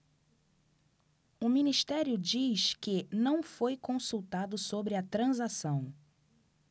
o ministério diz que não foi consultado sobre a transação